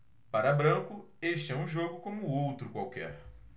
para branco este é um jogo como outro qualquer